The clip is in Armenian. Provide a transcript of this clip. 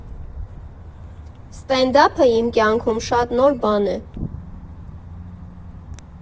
Ստենդափը իմ կյանքում շատ նոր բան է։